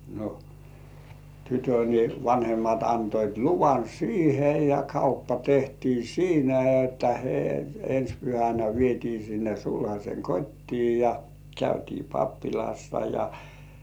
no tytön niin vanhemmat antoivat luvan siihen ja kauppa tehtiin siinä että - ensi pyhänä vietiin sinne sulhasen kotiin ja käytiin pappilassa ja